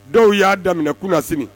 Dɔw y'a daminɛ kuma sini